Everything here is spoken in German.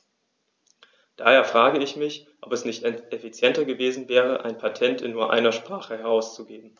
Daher frage ich mich, ob es nicht effizienter gewesen wäre, ein Patent in nur einer Sprache herauszugeben.